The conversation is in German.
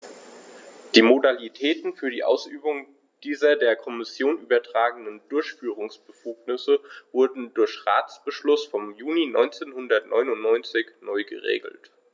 Die Modalitäten für die Ausübung dieser der Kommission übertragenen Durchführungsbefugnisse wurden durch Ratsbeschluss vom Juni 1999 neu geregelt.